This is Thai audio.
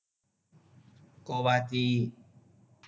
โกวาจี